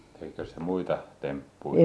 tekikös se muita temppuja